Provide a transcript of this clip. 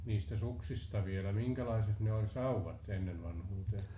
niistä suksista vielä minkälaiset ne oli sauvat ennen vanhuuteen